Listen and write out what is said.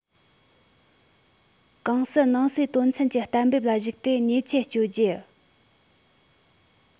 གོང གསལ ནང གསེས དོན ཚན གྱི གཏན འབེབས ལ གཞིགས ཏེ ཉེས ཆད གཅོད རྒྱུ